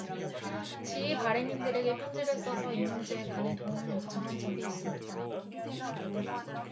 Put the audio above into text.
지의 발행인들에게 편지를 써서 이 문제에 관해 도움을 요청한 적이 있습니다